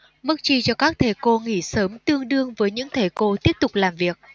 mức chi cho các thầy cô nghỉ sớm tương đương với những thày cô tiếp tục làm việc